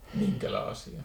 minkälaisia